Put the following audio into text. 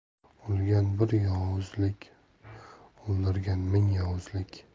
olgan bir yozug'lik oldirgan ming yozug'lik